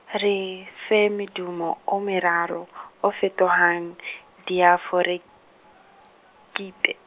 re fe medumo e meraro , e fetohang , diaforekeithe.